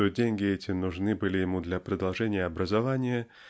что деньги эти нужны были ему для продолжения образования